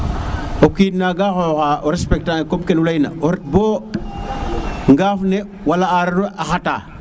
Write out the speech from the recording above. o kiin nanga xoxa o respecter te ange comme kenu ley na o ret bo ngaaf ne wala areero le a xata